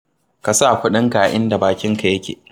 Ka sa kuɗinka a inda bakinka yake.